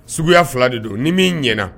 Sugu fila de don ni min ɲana